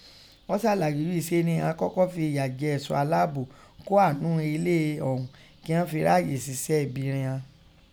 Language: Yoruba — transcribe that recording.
Ó sàlàyé ghí i ṣe ni ghọ́n kọkọ fi iya jẹ ẹsọ alaabo kọ́ ha ńnu ele ọ̀ún kíghọn fin raaye sisẹ ibi riọn.